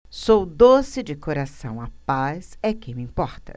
sou doce de coração a paz é que me importa